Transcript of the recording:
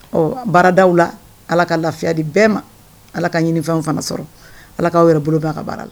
Ɔ baarada la ala ka lafiyadi bɛɛ ma ala ka ɲinifɛnw fana sɔrɔ ala k'aw yɛrɛ bolo bɛ ka baara la